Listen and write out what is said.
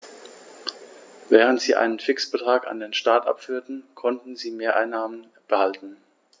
Während sie einen Fixbetrag an den Staat abführten, konnten sie Mehreinnahmen behalten.